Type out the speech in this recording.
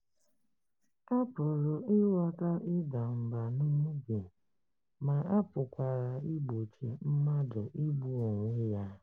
A pụrụ ịgwọta ịda mbà n'obi ma a pụkwara igbochi mmadụ igbu onwe ya.